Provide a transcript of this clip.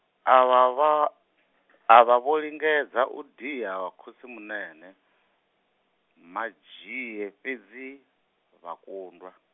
avha vha, avha vho lingedza u dia khotsimunene, Madzhie fhedzi, vha kundwa.